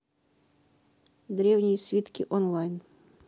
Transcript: древние свитки онлайн